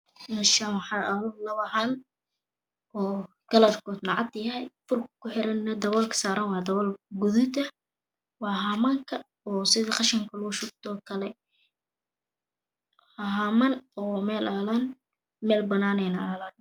Meeshan waxaa aalo labo haan kalarkoodana cadyahay oo furka kuxiran daboolka saraana waa guduud waa hamanka sida qashinka lagu shubtoo kale waa haman oo meel aalaan meel banaaneyna aalaan